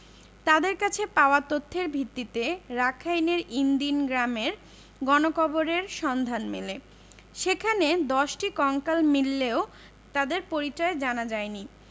তাঁদের কাছে পাওয়া তথ্যের ভিত্তিতে রাখাইনের ইন দিন গ্রামে গণকবরের সন্ধান মেলে সেখানে ১০টি কঙ্কাল মিললেও তাদের পরিচয় জানা যায়নি